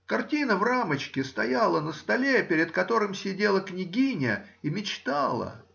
Картина в рамочке стояла на столе, перед которым сидела княгиня и мечтала.